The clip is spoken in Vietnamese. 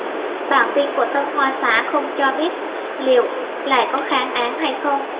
bản tin của tân hoa xã không cho biết liệu lại có kháng án hay không